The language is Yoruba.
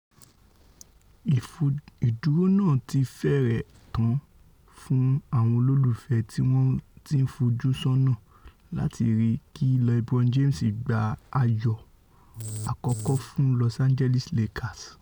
Ìdúró náà ti fẹ́rẹ̀ tán fún àwọn olólùfẹ́ tíwọ́n ti ńfojú ṣọ́nà láti ríi kí LeBron James gba ayò àkọ́kọ́ fún Los Angeles Lakers.